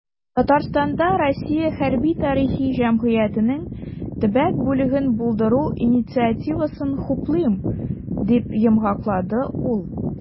"татарстанда "россия хәрби-тарихи җәмгыяте"нең төбәк бүлеген булдыру инициативасын хуплыйм", - дип йомгаклады ул.